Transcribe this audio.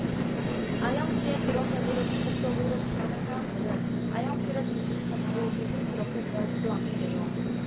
아영씨의 그런 태도를 반복적으로 접하는 사람들은 아영씨를 존중하지도 조심스럽게 대하지도 않게 돼요